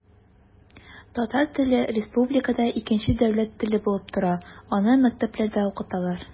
Татар теле республикада икенче дәүләт теле булып тора, аны мәктәпләрдә укыталар.